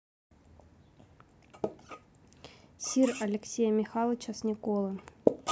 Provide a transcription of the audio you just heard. sir алексея михалыча с николы